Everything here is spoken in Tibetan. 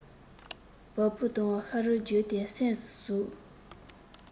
བ སྤུ དང ཤ རུས བརྒྱུད དེ སེམས སུ ཟུག